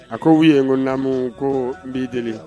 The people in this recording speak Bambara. A ko . N ko naamu. Ko n b'i deli.